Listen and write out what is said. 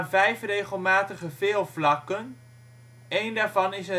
vijf regelmatige veelvlakken; een daarvan is